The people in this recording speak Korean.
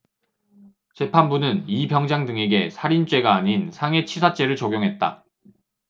재판부는 이 병장 등에게 살인죄가 아닌 상해치사죄를 적용했다